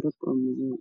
isku jiro